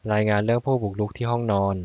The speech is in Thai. รายงานเรื่องผู้บุกรุกที่ห้องนอน